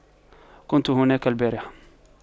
كنت هناك البارحة